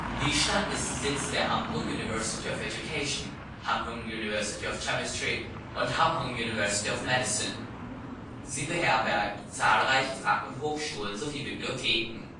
Die Stadt ist Sitz der Hamhŭng University of Education, Hamhŭng University of Chemistry und Hamhŭng University of Medicine. Sie beherbergt zahlreiche Fach - und Hochschulen sowie Bibliotheken